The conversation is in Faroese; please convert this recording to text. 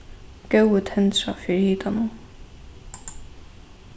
góði tendra fyri hitanum